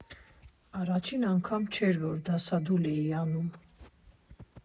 Առաջին անգամը չէր, որ դասադուլ էի անում.